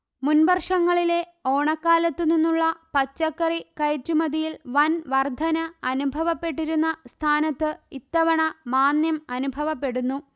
മുൻവർഷങ്ങളിലെ ഓണക്കാലത്തു നിന്നുള്ള പച്ചക്കറി കയറ്റുമതിയിൽ വൻ വർധന അനുഭവപ്പെട്ടിരുന്ന സ്ഥാനത്ത് ഇത്തവണ മാന്ദ്യം അനുഭവപ്പെടുന്നു